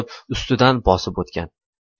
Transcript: ustidan bosib o'tgan